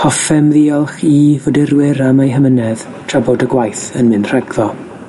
Hoffem ddiolch i fodurwyr am ei hamynedd tra bod y gwaith yn mynd rhagddo.